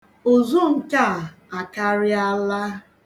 Ụzụ nke a akarịala.